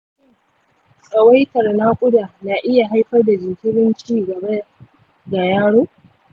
shin tsawaitawar naƙuda na iya haifar da jinkirin ci gaba ga yaro?